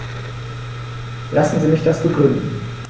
Lassen Sie mich das begründen.